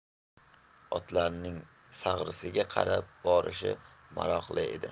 otlarning sag'risiga qarab borish maroqli edi